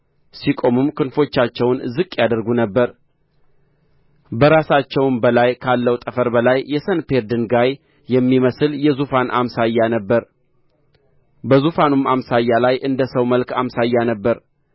ሲቆሙም ክንፎቻቸውን ዝቅ ያደርጉ ነበር በራሳቸውም በላይ ካለው ጠፈር በላይ የሰንፔር ድንጋይ የሚመስል የዙፋን አምሳያ ነበረ በዙፋኑም አምሳያ ላይ እንደ ሰው መልክ አምሳያ ነበረ